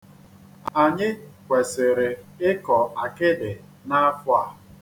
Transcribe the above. Anyị kwesịrị ịkọ akịdị n'afọ a.